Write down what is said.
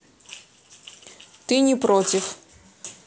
ты не против